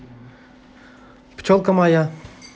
пчелка майя